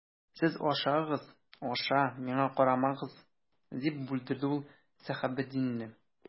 Сез ашагыз, аша, миңа карамагыз,— дип бүлдерде ул Сәхәбетдинне.